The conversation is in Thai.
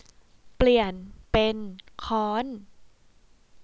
เปลี่ยนเป็นค้อน